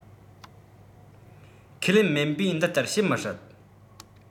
ཁས ལེན སྨན པས འདི ལྟར བཤད མི སྲིད